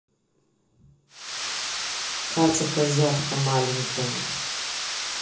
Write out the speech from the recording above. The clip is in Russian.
катя козявка маленькая